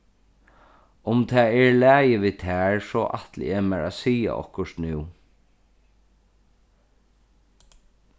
um tað er í lagi við tær so ætli eg mær at siga okkurt nú